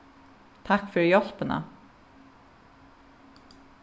takk fyri hjálpina